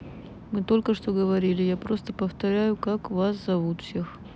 мы только что говорили я просто повторяю как вас зовут всех